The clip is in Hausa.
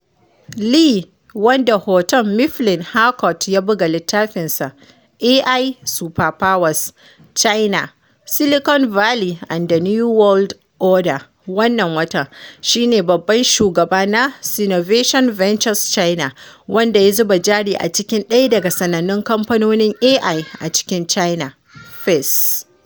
Lee, wanda Houghton Mifflin Harcourt ya buga littafinsa "AI Superpowers: China, Silicon Valley and the New World Order" wannan watan, shi ne Babban Shugaba na Sinovation Ventures China, wanda ya zuba jari a cikin daya daga sanannun kamfanonin AI a cikin China, Face++.